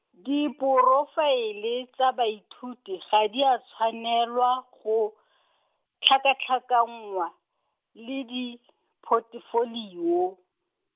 diporofaele tsa baithuti ga di a tshwanelwa, go , tlhakatlhakanngwa, le dipotefolio.